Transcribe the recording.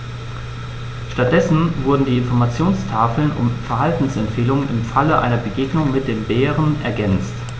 Stattdessen wurden die Informationstafeln um Verhaltensempfehlungen im Falle einer Begegnung mit dem Bären ergänzt.